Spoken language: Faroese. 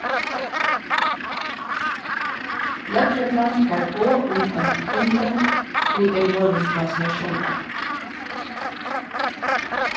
løgreglan fær boð um eina kvinnu ið er vorðin frá sær sjálvari